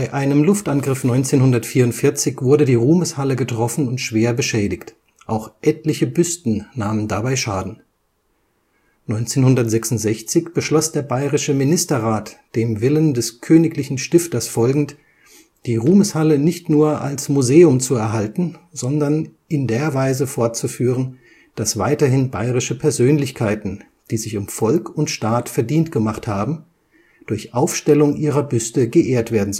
einem Luftangriff 1944 wurde die Ruhmeshalle getroffen und schwer beschädigt, auch etliche Büsten nahmen dabei Schaden. 1966 beschloss der Bayerische Ministerrat, dem Willen des königlichen Stifters folgend, die Ruhmeshalle nicht nur als Museum zu erhalten, sondern in der Weise fortzuführen, dass weiterhin bayerische Persönlichkeiten, die sich um Volk und Staat verdient gemacht haben, durch Aufstellung ihrer Büste geehrt werden